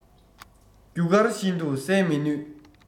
རྒྱུ སྐར བཞིན དུ གསལ མི ནུས